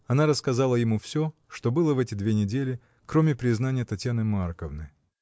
Она рассказала ему всё, что было в эти две недели, кроме признания Татьяны Марковны.